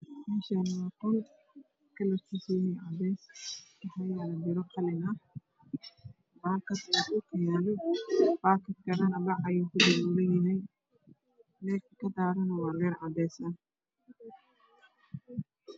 Neashani wa qol kslarkis yahay cades waxayalo biro qalin ah bakad aya dhulka yaalo bakadkan bac ayoow kuduban yahay leerka kadaran waa leer cades ah